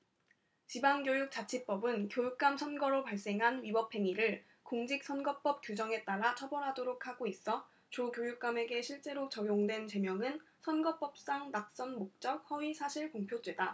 지방교육자치법은 교육감 선거로 발생한 위법행위를 공직선거법 규정에 따라 처벌하도록 하고 있어 조 교육감에게 실제로 적용된 죄명은 선거법상 낙선목적 허위사실공표죄다